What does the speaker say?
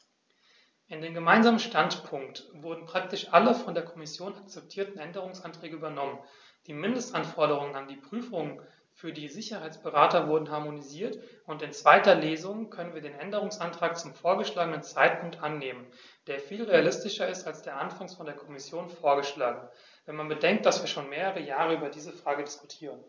In den gemeinsamen Standpunkt wurden praktisch alle von der Kommission akzeptierten Änderungsanträge übernommen, die Mindestanforderungen an die Prüfungen für die Sicherheitsberater wurden harmonisiert, und in zweiter Lesung können wir den Änderungsantrag zum vorgeschlagenen Zeitpunkt annehmen, der viel realistischer ist als der anfangs von der Kommission vorgeschlagene, wenn man bedenkt, dass wir schon mehrere Jahre über diese Frage diskutieren.